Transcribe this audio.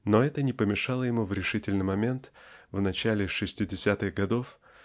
Но это не помешало ему в решительный момент в начале шестидесятых годов